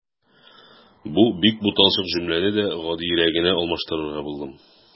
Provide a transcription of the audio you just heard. Бу бик буталчык җөмләне дә гадиерәгенә алмаштырырга булдым.